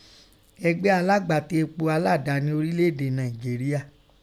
Ẹgbẹ́ẹ alágbàtà epo aládaàáni ọrile ede Nainjeria.